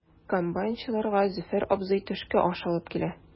Комбайнчыларга Зөфәр абзый төшке аш алып килә.